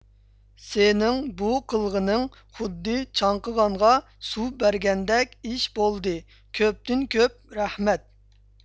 سېنىڭ بۇ قىلغىنىڭ خۇددى چاڭقىغانغا سۇ بەرگەندەك ئىش بولدى كۆپتىن كۆپ رەھمەت